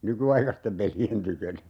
nykyaikaisten pelien tykönä